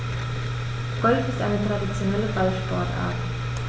Golf ist eine traditionelle Ballsportart.